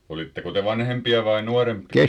olitteko te vanhempia vai nuorempia